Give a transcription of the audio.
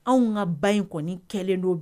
Anw ka ba in kɔni kɛlen don